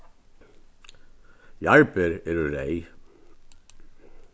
jarðber eru reyð